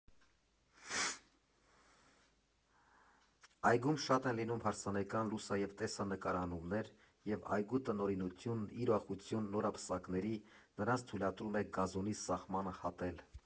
Այգում շատ են լինում հարսանեկան լուսա և տեսանկարահանումներ, և այգու տնօրինությունն ի ուրախություն նորապսակների՝ նրանց թույլատրում է գազոնի սահմանը հատել։